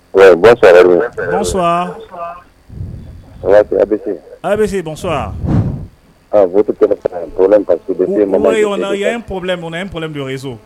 Oui, bonsoir, Arivé, bonsoir, c'est ABC ah,, votre connexion a un problème, parce que depuis un moment oui on a un problème de réseau